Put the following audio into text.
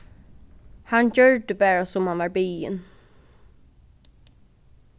hann gjørdi bara sum hann varð biðin